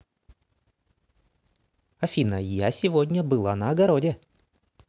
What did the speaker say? афина я сегодня была на огороде